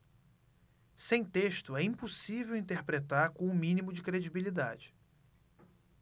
sem texto é impossível interpretar com o mínimo de credibilidade